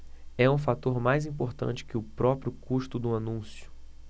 é um fator mais importante que o próprio custo do anúncio